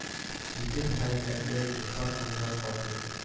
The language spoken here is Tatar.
Җитез хәрәкәтле, зифа сынлы хатын